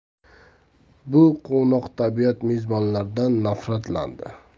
bu quvnoqtabiat mezbonlardan nafratlandi